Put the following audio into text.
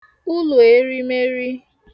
ulùòerimeri